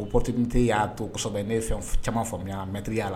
O opportunité y'a to kosɛbɛ ne ye caaman faamuya mɛtɛrɛya la.